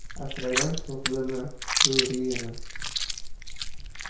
asragan to'qlini bo'ri yemas